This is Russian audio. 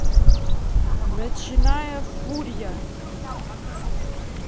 начиная фурия